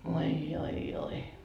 voi oi oi